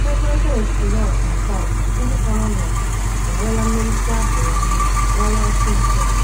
Mmekọrịta n’etiti North na South - ndị ka nọ n’ọgụ - enwela mmelite ahụrụ anya n’ọnwa nso nso a.